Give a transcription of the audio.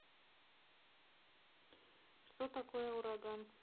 что такое ураган